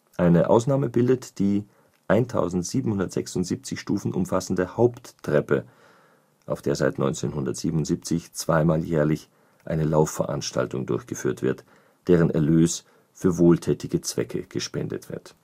Eine Ausnahme bildet die 1776 Stufen umfassende Haupttreppe, auf der seit 1977 zweimal jährlich eine Laufveranstaltung durchgeführt wird, deren Erlös für wohltätige Zwecke gespendet wird